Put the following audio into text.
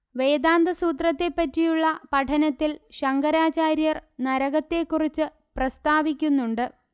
വേദാന്തസൂത്രത്തെപ്പറ്റിയുള്ള പഠനത്തിൽ ശങ്കരാചാര്യർ നരകത്തെക്കുറിച്ച് പ്രസ്താവിക്കുന്നുണ്ട്